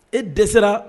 E dɛsɛse